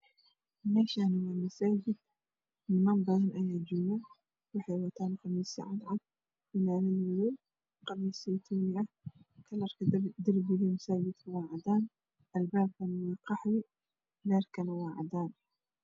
Meeshani wa masaajid niman badan ayaa jooga waxay wataan qamiisyo cad cad iyo cimaamad madow qamiis saytuni ah kalarka darbiga masajidka waa cadan albaabkana waa qaxwi leerkana waa cadaan